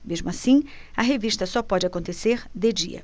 mesmo assim a revista só pode acontecer de dia